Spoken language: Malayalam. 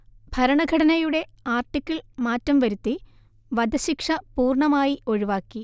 ഭരണഘടനയുടെ ആർട്ടിക്കിൾ മാറ്റം വരുത്തി വധശിക്ഷ പൂർണ്ണമായി ഒഴിവാക്കി